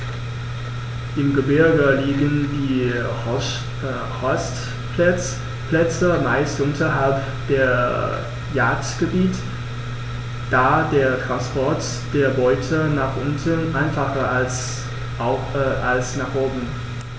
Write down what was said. Im Gebirge liegen die Horstplätze meist unterhalb der Jagdgebiete, da der Transport der Beute nach unten einfacher ist als nach oben.